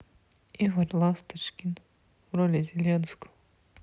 игорь ласточкин в роли зеленского